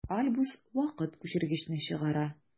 Альбус вакыт күчергечне чыгара.